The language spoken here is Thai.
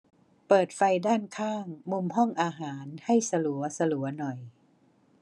เปิดไฟด้านข้างมุมห้องอาหารให้สลัวสลัวหน่อย